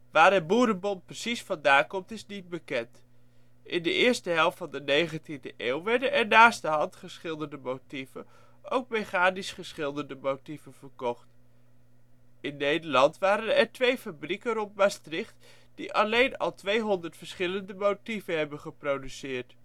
Waar het boerenbont precies vandaan komt is niet bekend. In de eerste helft van de 19e eeuw werden er naast de handgeschilderde motieven ook mechanisch geschilderde motieven verkocht. In Nederland waren er twee fabrieken rond Maastricht die alleen al 200 verschillende motieven hebben geproduceerd